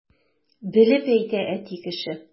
Белеп әйтә әти кеше!